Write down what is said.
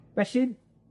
Felly,